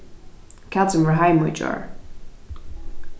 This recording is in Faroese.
katrin var heima í gjár